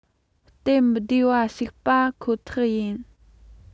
སྟབས མི བདེ བ ཞིག པ ཁོ ཐག ཡིན